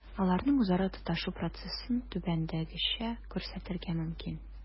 Аларның үзара тоташу процессын түбәндәгечә күрсәтергә мөмкин: